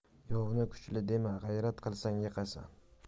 yovni kuchli dema g'ayrat qilsang yiqasan